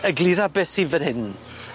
Eglura beth sy fyn hyn?